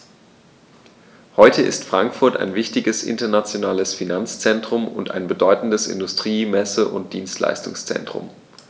Heute ist Frankfurt ein wichtiges, internationales Finanzzentrum und ein bedeutendes Industrie-, Messe- und Dienstleistungszentrum.